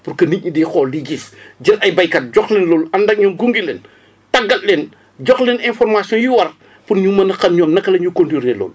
pour que nit ñi di xool di gis jël ay béykat jox leen loolu ànd ak ñoom gunge leen tàggat leen jox leen information yi war pour ñu mun a xam ñoom naka la ñuy contôlé loolu